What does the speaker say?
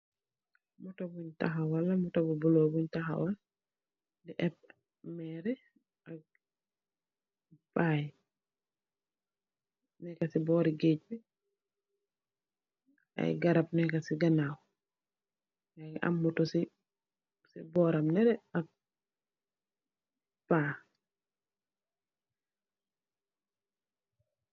Motto buñg taxawal, motto bu bulo buñg taxawal di ebb méér yi ak Paa yi neekë si boori gëëge bi, ay garab neekë si ganaaw, yaa ngi am motto si bóoram nële, paak.